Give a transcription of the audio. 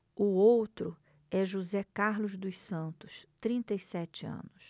o outro é josé carlos dos santos trinta e sete anos